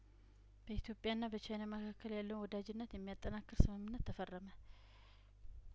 በኢትዮጵያና በቻይና መካካል ያለውን ወዳጅነት የሚያጠናክር ስምምነት ተፈረመ